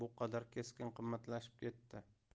bu qadar keskin qimmatlashib ketdi